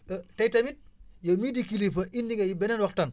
et tay tamit yow mii di kilifa indi nga it beneen waxtaan